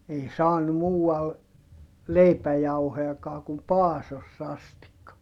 ei saanut muualla leipäjauhojakaan kuin Paasossa asti